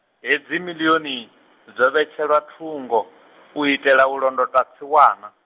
hedzi miḽioni, dzo vhetshelwa thungo, u itela u londota tsiwana.